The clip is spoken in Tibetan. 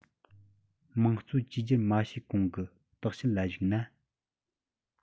དམངས གཙོའི བཅོས སྒྱུར མ བྱས གོང གི བརྟག དཔྱད ལ གཞིགས ན